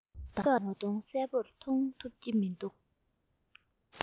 ཁ དོག དང ངོ གདོང གསལ པོར མཐོང ཐུབ ཀྱི མི འདུག